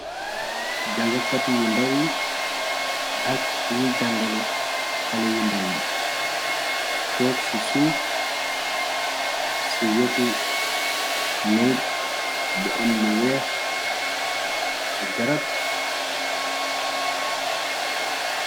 Jàngakati yu ndaw yi ak ñuy jàngale xale yu ndaw yi toog ci suuf ci weti nékg bu am lu weex ak garab.